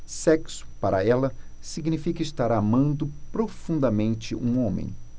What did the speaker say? sexo para ela significa estar amando profundamente um homem